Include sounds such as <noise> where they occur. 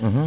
<hesitation> <hesitation>